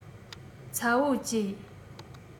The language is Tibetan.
ཚ བོ གཅེས